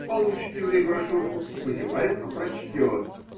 Получит еврей брошюрку – позевает, но прочтет